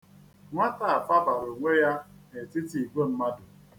Nwata a fabara onwe ya n'etiti igwe mmadụ.